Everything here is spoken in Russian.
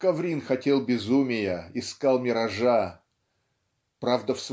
Коврин хотел безумия, искал миража. Правда